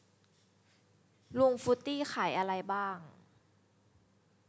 ลุงฟรุตตี้ขายอะไรบ้าง